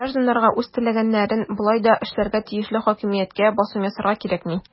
Гражданнарга үз теләгәннәрен болай да эшләргә тиешле хакимияткә басым ясарга кирәкми.